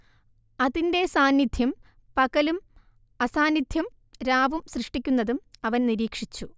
അതിന്റെ സാന്നിദ്ധ്യം പകലും അസാന്നിദ്ധ്യം രാവും സൃഷ്ടിക്കുന്നതും അവൻ നിരീക്ഷിച്ചു